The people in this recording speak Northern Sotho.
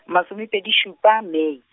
masomepedi šupa, Mei.